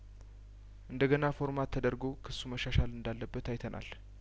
እንደ ገና ፎርማት ተደርጐ ክሱ መሻሻል እንዳለበት አይተናል